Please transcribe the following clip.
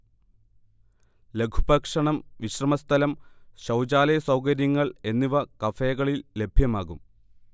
ലഘുഭക്ഷണം, വിശ്രമസ്ഥലം, ശൗചാലയ സൗകര്യങ്ങൾ എന്നിവ കഫേകളിൽ ലഭ്യമാകും